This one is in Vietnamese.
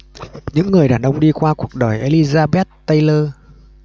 những người đàn ông đi qua cuộc đời elizabeth taylor